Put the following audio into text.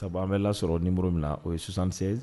Sabu an bɛ lasɔrɔ niuru minna na o ye susansɛn